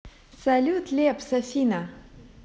салют лепс афина